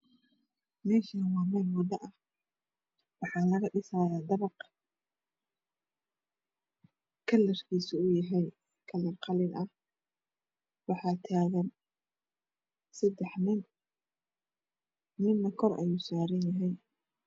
Meshan waa mel wado ah waxa laga dhisaya dabaq kalarkisa waa qalin waxa tagan sedax nin midna kor ayow saranyahy